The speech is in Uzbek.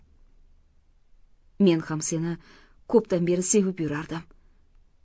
men ham seni ko'pdan beri sevib yurardim